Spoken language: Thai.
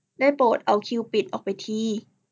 ได้โปรดเอาคิวบิดออกไปที